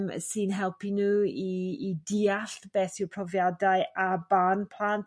eem sy'n helpi n'w i diallt beth yw profiadau a barn plant